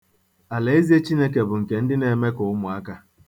Alaeze Chineke bụ nke ndị na-eme ka ụmụ̀akā.